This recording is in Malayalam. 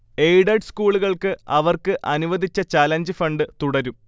എയ്ഡഡ് സ്കൂളുകൾക്ക് അവർക്ക് അനുവദിച്ച ചലഞ്ച് ഫണ്ട് തുടരും